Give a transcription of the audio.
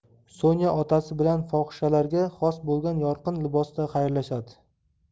sonya otasi bilan fohishalarga xos bo'lgan yorqin libosda xayrlashadi